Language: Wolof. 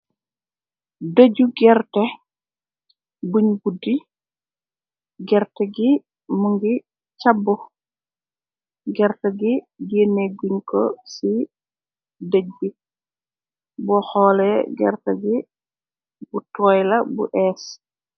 Dëju gerte buñ buddi, gerte gi mu ngi cabbu, gerte gi génne guñ ko ci dëj bi, bu xoole gerte gi bu toyla bu ees.